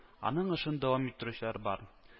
Аның эшен дәвам иттерүчеләр бар